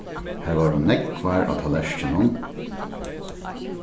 har vóru nógvar á tallerkinum